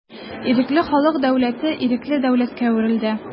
Ирекле халык дәүләте ирекле дәүләткә әверелде.